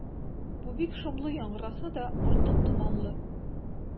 Бу бик шомлы яңгыраса да, артык томанлы.